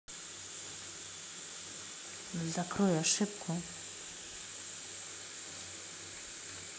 закрой ошибку